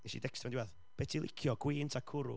wnes i'r decstio fo yn diwedd, "be ti'n licio gwin ta cwrw?"